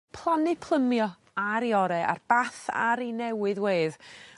Plannu plymio ar i ore a'r bath ar 'i newydd wedd